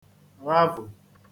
ghavù